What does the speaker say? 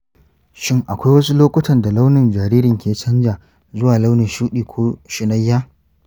shin akwai wasu lokuntan da launin jaririnki ya canza zuwa launin shudi ko shunayya?